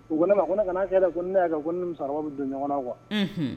U ko ne ma ko ne kana' kɛ dɛɛ ko ni ne y'a kɛ ko ne ni musokɔrɔba bɛ don ɲɔgɔn na quoi unhun